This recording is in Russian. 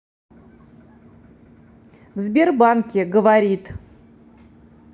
в сбербанке говорит